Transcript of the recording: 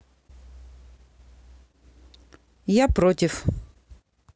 я против